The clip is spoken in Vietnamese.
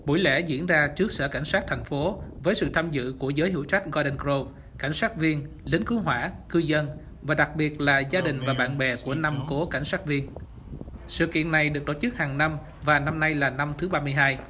buổi lễ diễn ra trước sở cảnh sát thành phố với sự tham dự của giới hữu trách gờ ra đừn gâu cảnh sát viên lính cứu hỏa cư dân và đặc biệt là gia đình và bạn bè của năm cố cảnh sát viên sự kiện này được tổ chức hằng năm và năm nay là năm thứ ba mươi hai